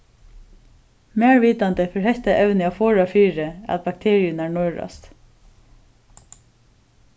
mær vitandi fer hetta evnið at forða fyri at bakteriurnar nørast